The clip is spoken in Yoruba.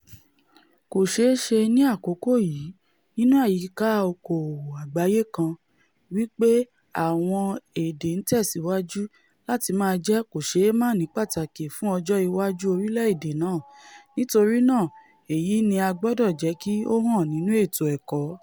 Kò ṣ̵eé ṣẹ́ ní àkókò yìí, nínú àyíká oko-òwò àgbáyé kan, wí pé àwọn èdè ńtẹ̀síwájú láti máa jẹ́ kòṣeémáàní pàtàkí fún ọjọ́ iwájú orílẹ̀-èdè náà, nítorínáà èyí ní a gbọ̀dọ̀ jẹ́kí ó hàn nínú ètò ẹ̀kọ́.